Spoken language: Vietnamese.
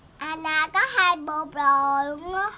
an na có hai bộ đồ lun á